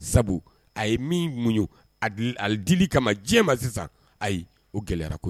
Sabu a ye min muɲu a dl a l dili kama diɲɛ ma sisan ayi o gɛlɛyara ko